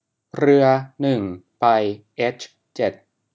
เรือหนึ่งไปเอชเจ็ด